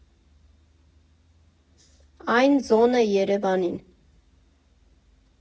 Այն ձոն է Երևանին։